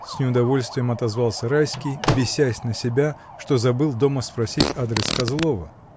— с неудовольствием отозвался Райский, бесясь на себя, что забыл дома спросить адрес Козлова.